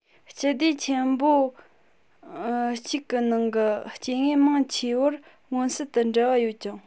སྤྱི སྡེ ཆེན པོ གཅིག གི ནང གི སྐྱེ དངོས མང ཆེ བར མངོན གསལ དུ འབྲེལ བ ཡོད ཅིང